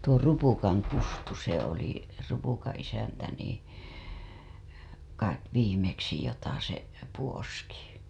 tuo Rupukan - Kustu se oli Rupukan isäntä niin kai viimeksi jota se puoski